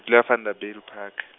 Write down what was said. ke dula Vanderbijlpark.